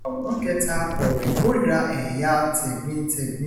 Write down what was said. Àwòrán 3: Ọ̀rọ̀ ìkórìíra ẹ̀yà tẹ̀gbintẹ̀gbin